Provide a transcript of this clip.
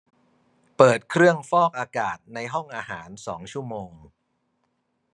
เปิดเครื่องฟอกอากาศในห้องอาหารสองชั่วโมง